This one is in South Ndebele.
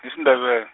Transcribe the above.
isiNdebe-.